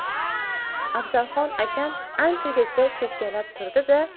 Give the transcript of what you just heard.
afzalxon akam anchagacha cho'kkalab turdi da